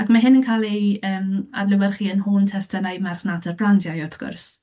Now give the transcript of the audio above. Ac mae hyn yn cael ei, yym, adlewyrchu yn hwn testunau marchnata'r brandiau wrth gwrs.